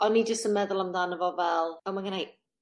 O'n i jyst yn meddwl amdano fo fel o ma' genna i